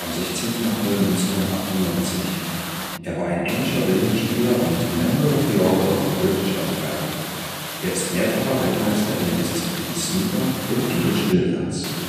16. April 1998) war ein englischer Billard-Spieler und Member of the Order of the British Empire. Er ist mehrfacher Weltmeister in den Disziplinen Snooker und English Billiards